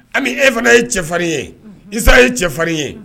An e fana ye cɛfarin ye isa ye cɛfarin ye